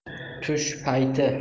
tush payti